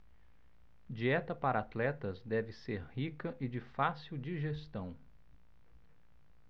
dieta para atletas deve ser rica e de fácil digestão